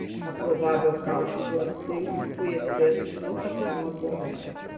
a provável causa do acidente foi excesso de lotação a bordo